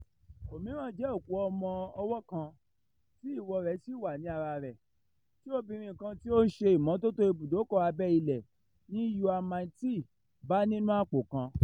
Òmíràn jẹ́ òkú ọmọ-ọwọ́ kan tí ìwọ́ọ rẹ̀ ṣì wà ní a ara rẹ̀, tí obìrin kan tí ó ń ṣe ìmọ́tótó ìbùdókọ̀ abẹ́-ilẹ̀ ní Yau Ma Tei bá nínú àpò kan.